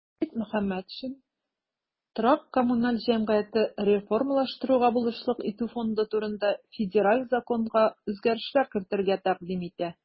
Фәрит Мөхәммәтшин "ТКҖ реформалаштыруга булышлык итү фонды турында" Федераль законга үзгәрешләр кертергә тәкъдим итә.